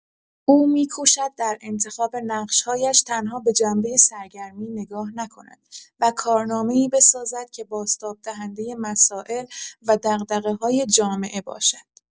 او می‌کوشد در انتخاب نقش‌هایش تنها به جنبه سرگرمی نگاه نکند و کارنامه‌ای بسازد که بازتاب‌دهنده مسائل و دغدغه‌های جامعه باشد.